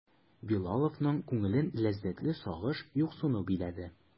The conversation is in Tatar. Билаловның күңелен ләззәтле сагыш, юксыну биләде.